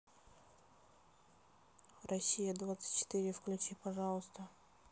россия двадцать четыре включи пожалуйста